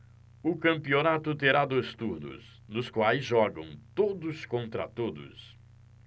o campeonato terá dois turnos nos quais jogam todos contra todos